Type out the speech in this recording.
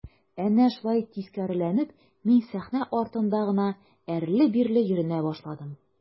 Әнә шулай тискәреләнеп мин сәхнә артында гына әрле-бирле йөренә башладым.